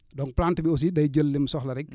donc plante bi aussi day jël li mu soxla rek